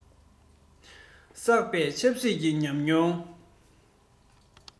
བསགས པའི ཆབ སྲིད ཀྱི ཉམས མྱོང